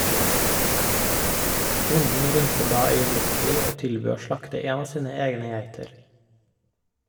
Bonden ringte da øyeblikkelig og tilbød å slakte en av sine egne geiter.